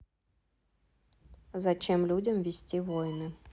зачем людям вести войны